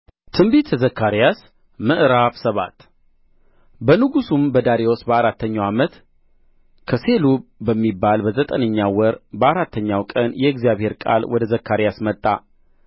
ትንቢተ ዘካርያስ ምዕራፍ ሰባት በንጉሡም በዳርዮስ በአራተኛው ዓመት ካሴሉ በሚባል በዘጠነኛው ወር በአራተኛው ቀን የእግዚአብሔር ቃል ወደ ዘካርያስ መጣ